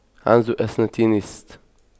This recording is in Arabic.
عنز استتيست